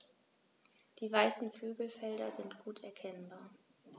Die weißen Flügelfelder sind gut erkennbar.